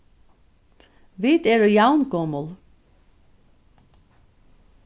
vit eru javngomul